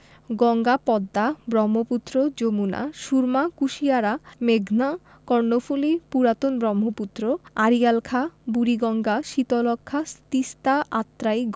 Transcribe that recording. গঙ্গা পদ্মা ব্রহ্মপুত্র যমুনা সুরমা কুশিয়ারা মেঘনা কর্ণফুলি পুরাতন ব্রহ্মপুত্র আড়িয়াল খাঁ বুড়িগঙ্গা শীতলক্ষ্যা তিস্তা আত্রাই